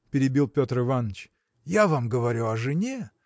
– перебил Петр Иваныч, – я вам говорю о жене.